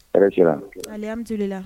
Hɛrɛc ale bɛtu la